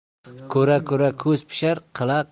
ko'ra ko'ra ko'z pishar